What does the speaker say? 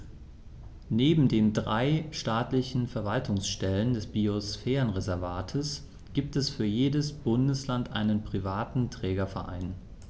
Neben den drei staatlichen Verwaltungsstellen des Biosphärenreservates gibt es für jedes Bundesland einen privaten Trägerverein.